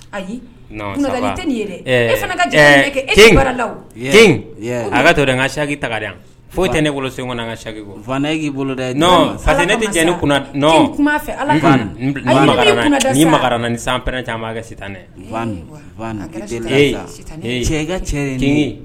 Ayi e la a ka to n ka saki ta foyi tɛ ne bolo sen kaki'i bolo dɛ fa ne ne kun kuma fɛ ala mara ni sanpɛ caman kɛtan